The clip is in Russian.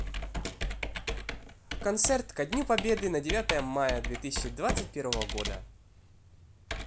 концерт ко дню победы на девятое мая две тысячи двадцать первого года